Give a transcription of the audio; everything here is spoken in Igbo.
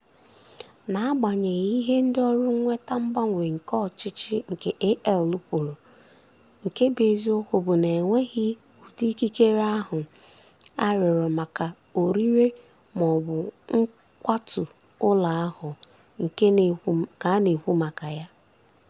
Na-agbaghenyị ihe ndị ọrụ mweta mgbanwe n'ọchịchị nke AL kwuru, nke bụ eziokwu bụ na e nweghị udị ikikere ahụ a rịọrọ maka orire ma ọ bu nkwatu ụlọ ahụ a na-ekwu maka ya.